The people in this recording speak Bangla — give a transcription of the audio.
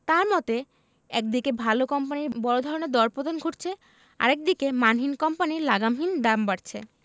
তাঁর মতে একদিকে ভালো কোম্পানির বড় ধরনের দরপতন ঘটছে আরেক দিকে মানহীন কোম্পানির লাগামহীন দাম বাড়ছে